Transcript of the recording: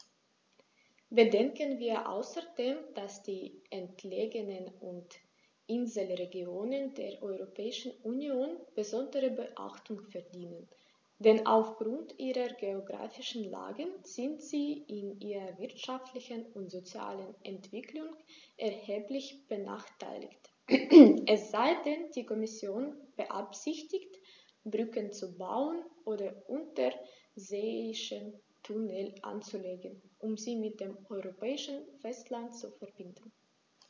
Bedenken wir außerdem, dass die entlegenen und Inselregionen der Europäischen Union besondere Beachtung verdienen, denn auf Grund ihrer geographischen Lage sind sie in ihrer wirtschaftlichen und sozialen Entwicklung erheblich benachteiligt - es sei denn, die Kommission beabsichtigt, Brücken zu bauen oder unterseeische Tunnel anzulegen, um sie mit dem europäischen Festland zu verbinden.